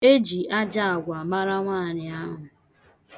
E ji ajọ agwa mara nwaanyị ahụ.